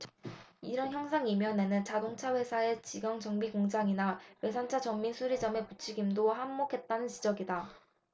이런 현상 이면에는 자동차회사의 직영 정비공장이나 외산차 전문수리점의 부추김도 한몫했다는 지적이다